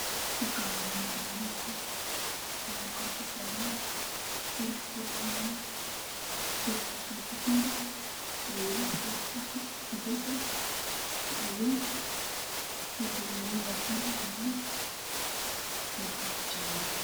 Waa boom balu caddaan waxaa qoorta ugu jiro catiin midabkiisa yahay dahabi